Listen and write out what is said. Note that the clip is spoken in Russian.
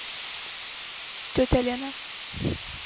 тетя лена